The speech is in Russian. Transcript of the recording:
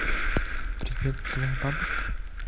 привет твоя башка